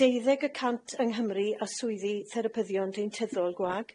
Deuddeg y cant yng Nghymru â swyddi therapyddion deintyddol gwag.